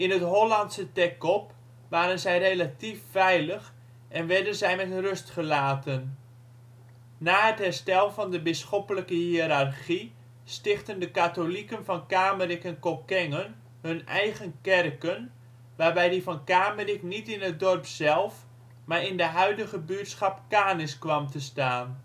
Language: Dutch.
het Hollandse Teckop waren zij relatief veilig en werden zij met rust gelaten. Na het herstel van de bisschoppelijke hiërarchie stichtten de katholieken van Kamerik en Kockengen hun eigen kerken, waarbij die van Kamerik niet in het dorp zelf, maar in de huidige buurtschap Kanis kwam te staan